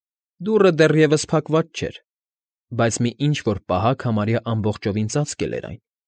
Դուռը դեռևս փակված չէր, բայց մի ինչ֊որ պահակ համարյա ամբողջովին ծածկել էր այն։